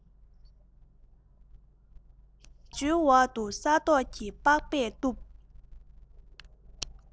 རྭ ཅོའི འོག ཏུ ས མདོག གིས པགས པས བཏུམས